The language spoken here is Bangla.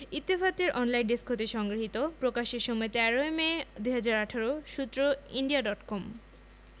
ইত্তেফাক এর অনলাইন ডেস্ক হতে সংগৃহীত প্রকাশের সময় ১৩ মে ২০১৮ সূত্র ইন্ডিয়া ডট কম